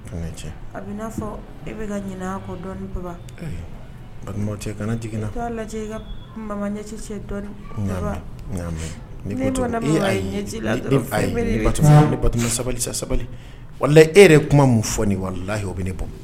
A fɔ e bɛ balima kana jigin sabali wala e yɛrɛ kuma min fɔ nin wali o bɛ ne bɔ